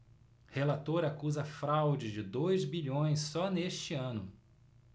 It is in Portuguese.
relator acusa fraude de dois bilhões só neste ano